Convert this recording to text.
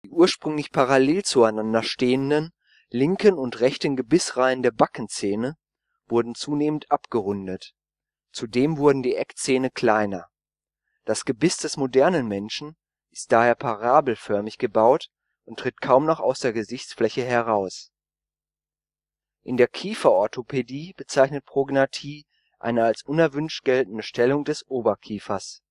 ursprünglich parallel zueinander stehenden linken und rechten Gebissreihen der Backenzähne wurden zunehmend abgerundet, zudem wurden die Eckzähne kleiner. Das Gebiss des modernen Menschen ist daher parabelförmig gebaut und tritt kaum noch aus der Gesichtsfläche heraus. In der Kieferorthopädie bezeichnet Prognathie eine als unerwünscht geltende Stellung des Oberkiefers